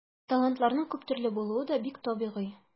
Талантларның күп төрле булуы да бик табигый.